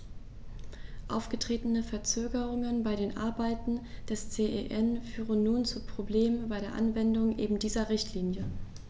Aufgetretene Verzögerungen bei den Arbeiten des CEN führen nun zu Problemen bei der Anwendung eben dieser Richtlinie.